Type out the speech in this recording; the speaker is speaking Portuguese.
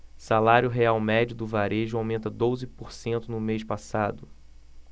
salário real médio do varejo aumenta doze por cento no mês passado